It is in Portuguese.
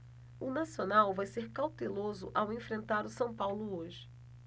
o nacional vai ser cauteloso ao enfrentar o são paulo hoje